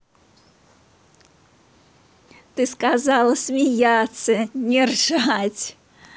ты сказала смеяться не ржать